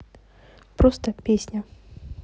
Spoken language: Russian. просто песня